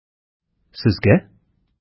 Сезгә?